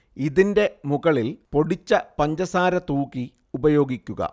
ഇതിന്റെ മുകളിൽ പൊടിച്ച പഞ്ചസാര തൂകി ഉപയോഗിക്കുക